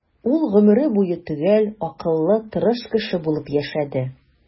Ул гомере буе төгәл, акыллы, тырыш кеше булып яшәде.